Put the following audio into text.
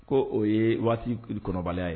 Ko o ye waati kɔnɔbaliya ye